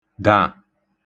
-ḋà